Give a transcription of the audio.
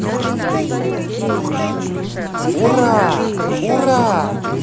ура ура